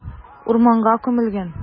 Урманга күмелгән.